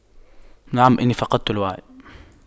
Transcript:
نعم إني فقدت الوعي